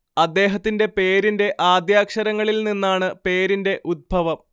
അദ്ദേഹത്തിന്റെ പേരിന്റെ ആദ്യാക്ഷരങ്ങളിൽ നിന്നാണ് പേരിന്റെ ഉത്ഭവം